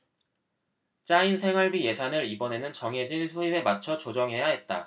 짜인 생활비 예산을 이번에는 정해진 수입에 맞춰 조정해야 했다